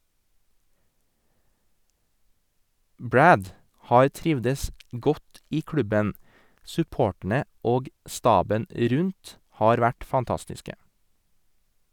Brad har trivdes godt i klubben, supporterne og staben rundt har vært fantastiske.